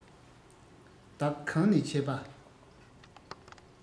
བདག གང ནས ཆས པ